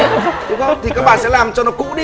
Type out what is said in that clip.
đúng không thì các bạn sẽ làm cho nó cũ đi